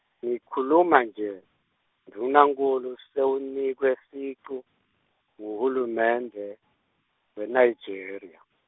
ngikhuluma nje, Ndvunankhulu sewunikwe sicu, nguhulumende, weNigeria.